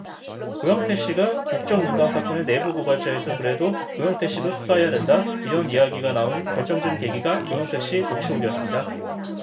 고영태 씨가 국정농단 사건의 내부 고발자에서 그래도 고영태 씨도 수사해야 된다 이런 이야기가 나온 결정적인 계기가 고영태 씨 녹취록이었습니다